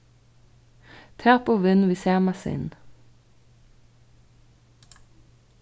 tap og vinn við sama sinn